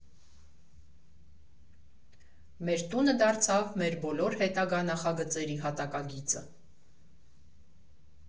Մեր տունը դարձավ մեր բոլոր հետագա նախագծերի հատակագիծը։